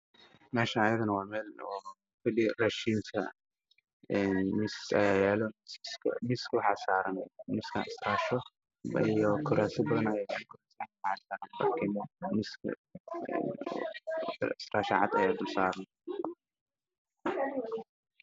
Miis miiskaas wuxuu yaalla meel hool ee waxaa ayaallo laba kursi oo waaweyn oo nooca fadhiga